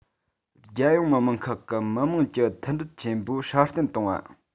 རྒྱལ ཡོངས མི རིགས ཁག གི མི དམངས ཀྱི མཐུན སྒྲིལ ཆེན པོ སྲ བརྟན གཏོང བ